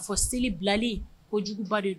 Fɔ seli bilalen ko juguba de